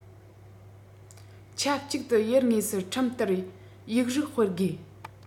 ཆབས ཅིག ཏུ ཡུལ དངོས སུ ཁྲིམས བསྟར ཡིག རིགས སྤེལ དགོས